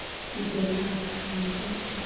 ijara haqi qancha